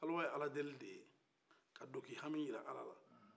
kaliwa ye ala deli de ye ka don k'i hami jira ala la